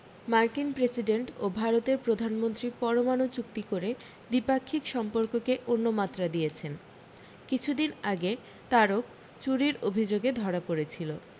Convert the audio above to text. মার্কিন প্রেসিডেন্ট ও ভারতের প্রধানমন্ত্রী পরমাণু চুক্তি করে দ্বিপাক্ষিক সম্পর্ককে অন্য মাত্রা দিয়েছেন কিছু দিন আগে তারক চুরির অভি্যোগে ধরা পড়েছিল